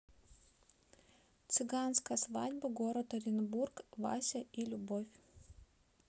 цыганская свадьба город оренбург вася и любовь